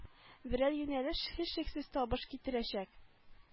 Берәр юнәлеш һичшиксез табыш китерәчәк